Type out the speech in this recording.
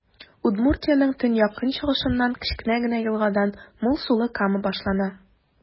Удмуртиянең төньяк-көнчыгышыннан, кечкенә генә елгадан, мул сулы Кама башлана.